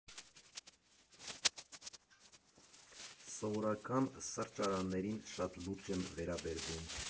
Սովորական սրճարաններին շատ լուրջ եմ վերաբերվում։